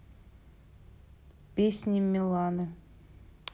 песни миланы